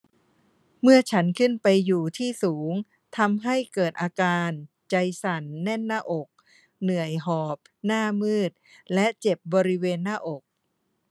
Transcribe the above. เมื่อฉันขึ้นไปอยู่ที่สูงทำให้เกิดอาการใจสั่นแน่นหน้าอกเหนื่อยหอบหน้ามืดและเจ็บบริเวณหน้าอก